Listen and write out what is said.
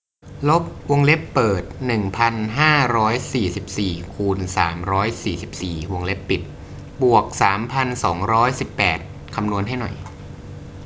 ลบวงเล็บเปิดหนึ่งพันห้าร้อยสี่สิบสี่คูณสามร้อยสี่สิบสี่วงเล็บปิดบวกสามพันสองร้อยสิบแปดคำนวณให้หน่อย